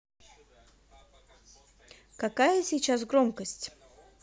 какая сейчас громкость